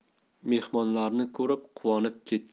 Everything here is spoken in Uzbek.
mehmonlarni ko'rib quvonib ketdi